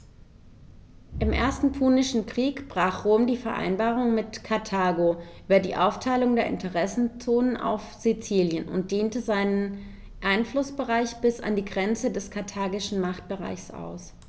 Im Ersten Punischen Krieg brach Rom die Vereinbarung mit Karthago über die Aufteilung der Interessenzonen auf Sizilien und dehnte seinen Einflussbereich bis an die Grenze des karthagischen Machtbereichs aus.